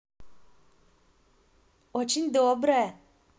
очень добрая